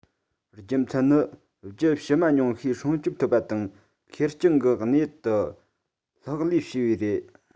རྒྱུ མཚན ནི རྒྱུད ཕྱི མ ཉུང ཤས སྲུང སྐྱོབ ཐོབ པ དང ཁེར རྐྱང གི གནས ཡུལ དུ ལྷག ལུས བྱས པས རེད